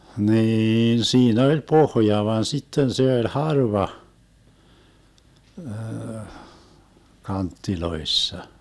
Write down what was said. niin siinä oli pohja vaan sitten se oli harva kanteissa